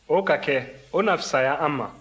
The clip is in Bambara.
o ka kɛ o na fisaya an ma